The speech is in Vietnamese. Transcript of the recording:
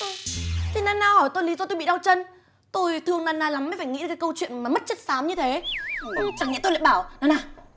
thì na na hỏi tôi lí do tôi bị đau chân tôi thương na na lắm mới phải nghĩ ra câu chuyện mà mất chất xám như thế chẳng nhẽ tôi lại bảo na na